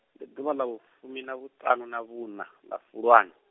ndi ḓuvha ḽa vhufumi na vhuṱaṋu na vhuna ḽa Fulwana.